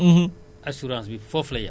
ba keroog ngay góob